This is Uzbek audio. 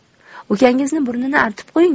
ukangizni burnini artib qo'ying